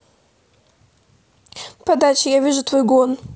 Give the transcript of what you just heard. подача я вижу твой гон